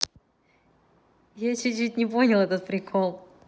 я чуть чуть не понял этот прикол